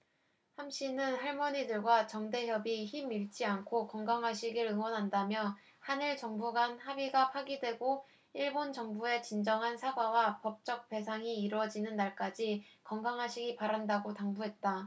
함씨는 할머니들과 정대협이 힘 잃지 않고 건강하시길 응원한다며 한일 정부 간 합의가 파기되고 일본 정부의 진정한 사과와 법적 배상이 이뤄지는 날까지 건강하시기 바란다고 당부했다